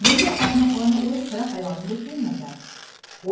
bunday ahmoqona o'y sira xayolimga kelmagan